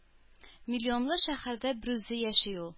Миллионлы шәһәрдә берүзе яши ул.